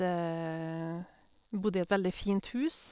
Bodde i et veldig fint hus.